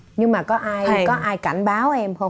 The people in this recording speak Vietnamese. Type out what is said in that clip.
nhưng mà có ai thèm có ai cảnh báo em hông